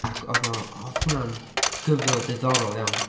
Ac oedd o o! Oedd hwnna'n gyfrol diddorol iawn.